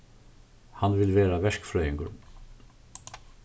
hann vil verða verkfrøðingur